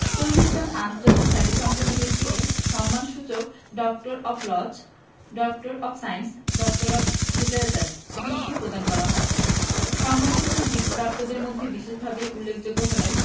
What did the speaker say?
৪০ জন আন্তর্জাতিক খ্যাতিসম্পন্ন ব্যক্তিকে সম্মানসূচক doctor of laws doctor of science doctor of literature degree প্রদান করা হয় সম্মানসূচক ডিগ্রিপ্রাপ্তদের মধ্যে বিশেষভাবে উল্লেখযোগ্য হলেন